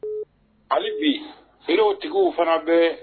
Hali bi n bo tigiw fana bɛɛ